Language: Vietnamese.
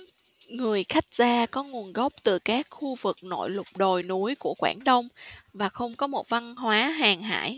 người khách gia có nguồn gốc từ các khu vực nội lục đồi núi của quảng đông và không có một văn hóa hàng hải